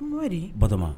No di batoma